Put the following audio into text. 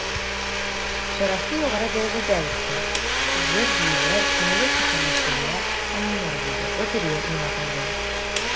Чарасы югары дәрәҗәдә үтте, җыр-биюләр, күңелле сәхнәләштерүләр һәм уеннар булды, лотерея уйнатылды.